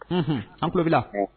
Unhun an tulobi la